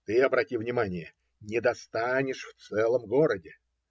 ты обрати внимание, не достанешь в целом городе.